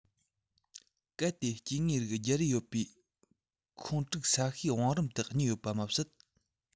གལ ཏེ སྐྱེ དངོས རིགས བརྒྱད རེ ཡོད པའི ཁོངས དྲུག ས གཤིས བང རིམ དུ རྙེད པ མ ཟད